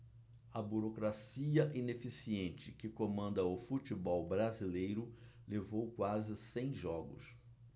a burocracia ineficiente que comanda o futebol brasileiro levou quase cem jogos